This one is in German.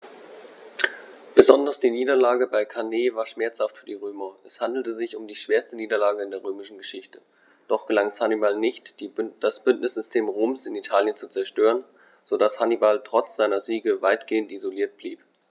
Besonders die Niederlage bei Cannae war schmerzhaft für die Römer: Es handelte sich um die schwerste Niederlage in der römischen Geschichte, doch gelang es Hannibal nicht, das Bündnissystem Roms in Italien zu zerstören, sodass Hannibal trotz seiner Siege weitgehend isoliert blieb.